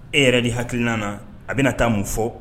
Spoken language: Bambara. E yɛrɛ ni hakilikinan na, a bɛna taa mun fɔ?